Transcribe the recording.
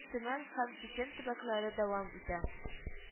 Төмән һәм Чечен төбәкләре дәвам итә